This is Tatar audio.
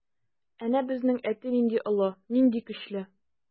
Әнә безнең әти нинди олы, нинди көчле.